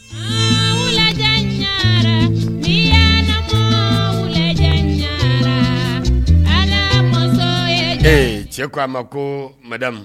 A wulayara ni yala wulayara ala muso ye cɛ ko a ma ko madama